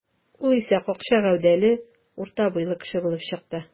Ул исә какча гәүдәле, урта буйлы кеше булып чыкты.